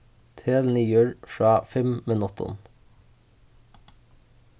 tel niður frá fimm minuttum